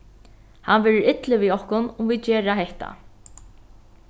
hann verður illur við okkum um vit gera hetta